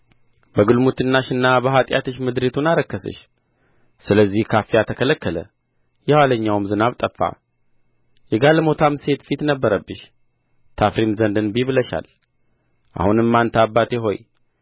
በግልሙትናሽና በኃጢአትሽ ምድሪቱን አረከስሽ ስለዚህ ካፊያ ተከለከለ የኋለኛውም ዝናብ ጠፋ የጋለሞታም ሴት ፊት ነበረብሽ ታፍሪም ዘንድ እንቢ ብለሻል አሁንም አንተ አባቴ ሆይ